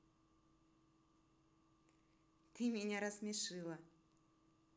ну ты меня рассмешила